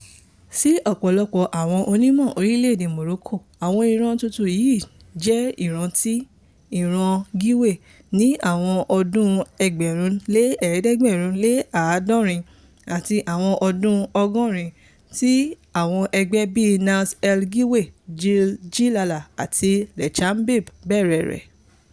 Sí ọ̀pọ̀lọpọ̀ àwọn ọmọ orílẹ̀ èdè Morocco, àwọn ìran tuntun yìí jẹ́ ìrántí ìran Ghiwane ní àwọn ọdún 1970s àti àwọn ọdún 80s,tí àwọn ẹgbẹ́ bíi Nass El Ghiwane, Jil Jilala and Lemchabeb bẹ̀rẹ̀ rẹ̀.